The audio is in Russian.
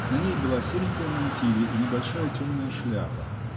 На ней была серенькая мантилья и небольшая темная шляпа.